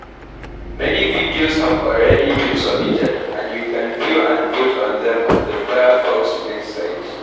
Many videos have already been submitted, and you can view and vote on them on the Firefox Flicks site.